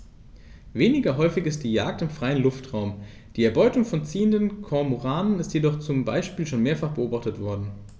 Weniger häufig ist die Jagd im freien Luftraum; die Erbeutung von ziehenden Kormoranen ist jedoch zum Beispiel schon mehrfach beobachtet worden.